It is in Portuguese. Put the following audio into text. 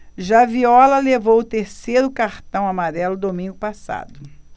já viola levou o terceiro cartão amarelo domingo passado